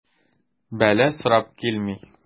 Бәла сорап килми.